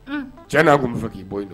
Cɛ n'a tun bɛ k'i bɔ yen dɔn